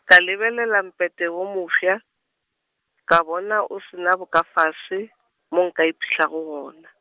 ka lebelela Mpete wo mofsa, ka bona o se na bokafase, mo nka iphihlago gona.